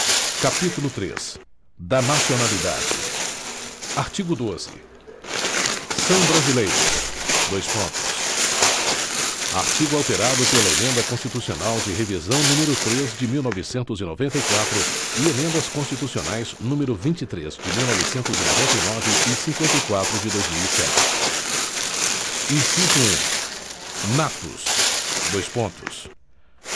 capítulo três da nacionalidade artigo doze são brasileiros dois pontos artigo alterado pela emenda constitucional de revisão número três de mil novecentos e noventa e quatro e emendas constitucionais número vinte e três de mil novecentos e noventa e nove e cinqüenta e quatro de dois mil e sete inciso um natos dois pontos